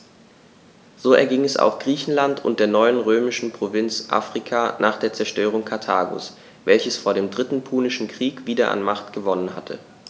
So erging es auch Griechenland und der neuen römischen Provinz Afrika nach der Zerstörung Karthagos, welches vor dem Dritten Punischen Krieg wieder an Macht gewonnen hatte.